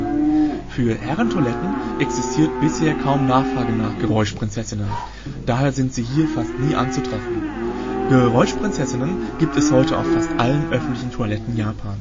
kaum Nachfrage nach „ Geräuschprinzessinnen “, daher sind sie hier fast nie anzutreffen. „ Geräuschprinzessinnen “gibt es heute auf fast allen öffentlichen Toiletten Japans